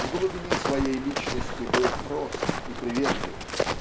в глубине своей личности был прост и приветлив.